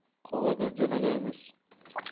quvaga jo'nagaymiz